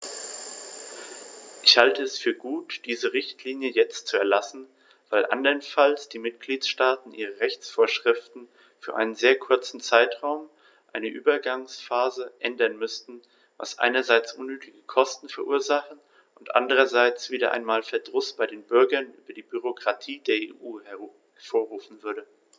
Ich halte es für gut, diese Richtlinie jetzt zu erlassen, weil anderenfalls die Mitgliedstaaten ihre Rechtsvorschriften für einen sehr kurzen Zeitraum, eine Übergangsphase, ändern müssten, was einerseits unnötige Kosten verursachen und andererseits wieder einmal Verdruss bei den Bürgern über die Bürokratie der EU hervorrufen würde.